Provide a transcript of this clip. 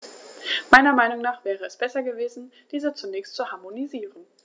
Meiner Meinung nach wäre es besser gewesen, diese zunächst zu harmonisieren.